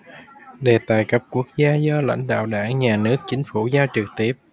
đề tài cấp quốc gia do lãnh đạo đảng nhà nước chính phủ giao trực tiếp